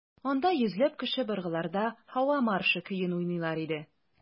Анда йөзләп кеше быргыларда «Һава маршы» көен уйныйлар иде.